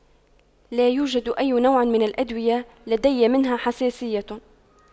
لا يوجد أي نوع من الأدوية لدي منها حساسية